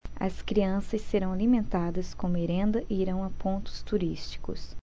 as crianças serão alimentadas com merenda e irão a pontos turísticos